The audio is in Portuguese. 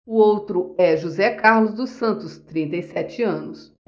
o outro é josé carlos dos santos trinta e sete anos